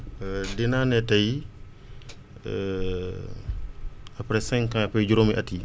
dinaa ne tey après cinq ans après juróomi at yi